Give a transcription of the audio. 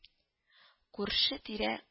Күрше-тирә